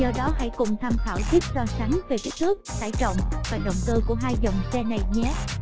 do đó hãy cùng tham khảo tiếp về kích thước tải trọng và động cơ của dòng xe này nhé